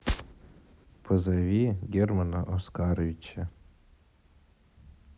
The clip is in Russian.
позови германа оскаровича